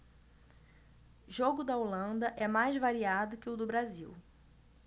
jogo da holanda é mais variado que o do brasil